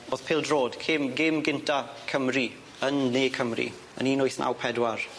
O'dd pêl drod cêm gêm gynta Cymru yn Ne Cymru yn un wyth naw pedwar.